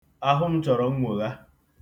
Ahụ m chọrọ nnwogha.